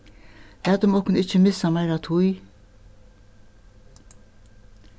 latum okkum ikki missa meira tíð